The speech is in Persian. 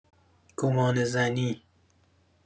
گمانه‌زنی